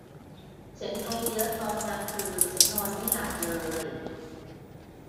ฉันไอเยอะตอนกลางคืนฉันนอนไม่หลับเลย